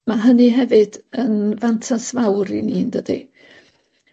ma' hynny hefyd yn fantas fawr i ni yndydi?